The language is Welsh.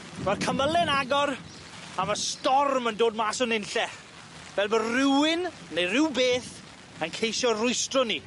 ma'r cymyle'n agor, a ma' storm yn dod mas o'n nunlle, fel bo' rywun, neu rywbeth, yn ceisio rwystro ni.